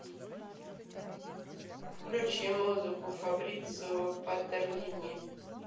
включи музыку фабрицио патерлини